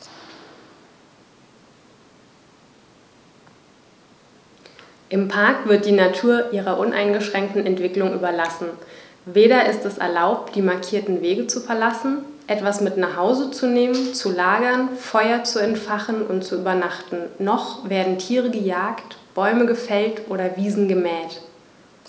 Im Park wird die Natur ihrer uneingeschränkten Entwicklung überlassen; weder ist es erlaubt, die markierten Wege zu verlassen, etwas mit nach Hause zu nehmen, zu lagern, Feuer zu entfachen und zu übernachten, noch werden Tiere gejagt, Bäume gefällt oder Wiesen gemäht.